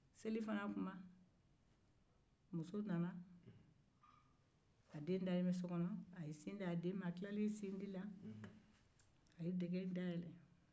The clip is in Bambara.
muso nana sin di a den ma a tilalen sindi la a ye dɛgɛ dayɛlɛn